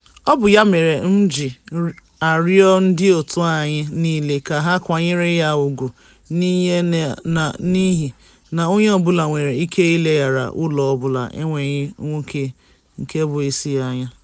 Ọ bụ ya mere m ji arịọ ndị òtù anyị niile ka ha kwanyere ya ùgwù n'ihi na onye ọbụla nwere ike ileghara ụlọ ọbụla n'enweghị nwoke nke bụ (isi ya) anya.